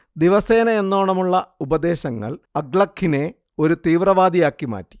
ദിവസേനയെന്നോണമുള്ള ഉപദേശങ്ങൾ അഖ്ലഖിനെ ഒരു തീവ്രവാദിയാക്കി മാറ്റി